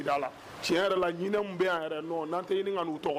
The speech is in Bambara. Tiɲɛ yɛrɛ la bɛ yɛrɛ'an tɛ ɲini tɔgɔ